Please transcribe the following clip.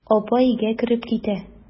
Апа өйгә кереп китә.